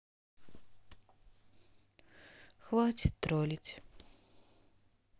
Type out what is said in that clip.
хватит троллить